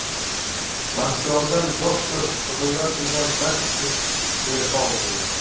maskovdan doktor xudoyor degan bir kishi telefon qildi